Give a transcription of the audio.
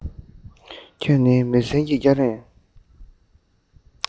ཁྱེད ནི མུན སེལ གྱི སྐྱ རེངས